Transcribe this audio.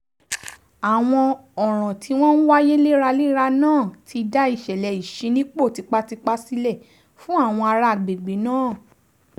Àwọn ọ̀ràn tí wọ́n ń wáyé léraléra náà ti dá ìṣẹ̀lẹ̀ ìṣínípò tipátipá sílẹ̀ fún àwọn ará agbègbè náà.